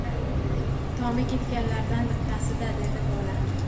tomi ketganlardan bittasi da dedi bola